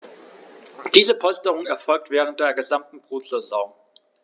Diese Polsterung erfolgt während der gesamten Brutsaison.